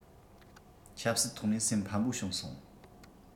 ཆབ སྲིད ཐོག ནས སེམས ཕམས པོ བྱུང སོང